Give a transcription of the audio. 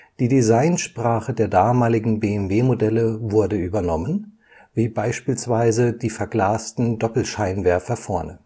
Die Designsprache der damaligen BMW-Modelle wurde übernommen, wie beispielsweise die verglasten Doppelscheinwerfer vorne